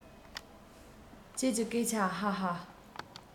ཁྱོད ཀྱི སྐད ཆ ཧ ཧ